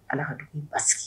Ala ka dugu basi